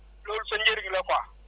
loolu sa njëriñ la quoi